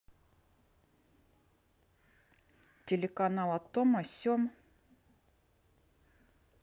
телеканал о том о сем